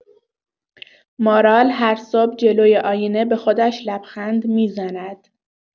مارال هر صبح جلوی آینه به خودش لبخند می‌زند.